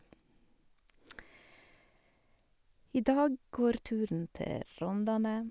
I dag går turen til Rondane.